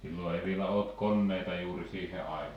silloin ei vielä ollut koneita juuri siihen aikaan